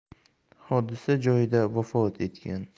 hodisa joyida vafot etgan